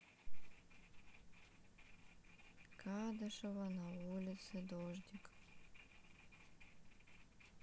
кадышева на улице дождик